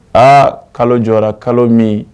A kalo jɔra kalo min